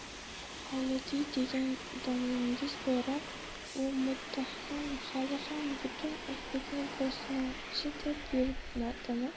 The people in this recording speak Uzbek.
xolidiy degan domlangiz bor a u muttaham hali ham butun o'zbekni bosmachi deb yuribdimi